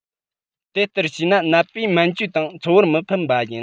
དེ ལྟར བྱས ན ནད པའི སྨན བཅོས དང འཚོ བར མི ཕན པ ཡིན